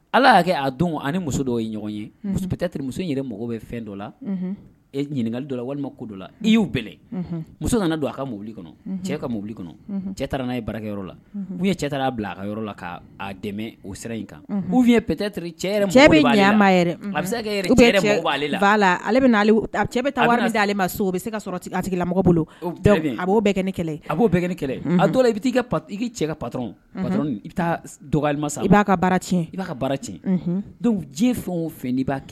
Ala y'a kɛ dɔn muso dɔw ye ɲɔgɔn muso bɛ fɛn dɔ la ɲininka walima la i y'u muso nana don a kabili cɛ kabili n'a ye bara la'u ye cɛ' bila a ka yɔrɔ la k' dɛmɛ o sira in kan u'u'u ye p cɛ bɛ ma a bɛ seale la a cɛ bɛ taa bara aleale ma so o bɛ se ka sɔrɔ a tigilamɔgɔ bolo da a b' bɛɛ kɛ ni kɛlɛ a b' bɛɛ kɛ ni kɛlɛ a dɔ i bɛ ka i cɛ ka par i bɛ sa i b'a ka bara tiɲɛ i b'a ka bara tiɲɛ diɲɛ fɛn o fɛn b'a